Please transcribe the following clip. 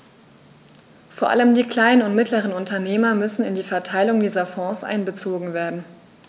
Vor allem die kleinen und mittleren Unternehmer müssen in die Verteilung dieser Fonds einbezogen werden.